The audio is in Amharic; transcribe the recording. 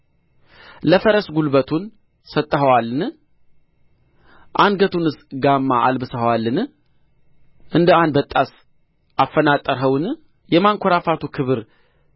ለፈረስ ጕልበቱን ሰጥተኸዋልን አንገቱንስ ጋማ አልብሰኸዋልን እንደ አንበጣስ አፈናጠርኸውን የማንኰራፋቱ ክብር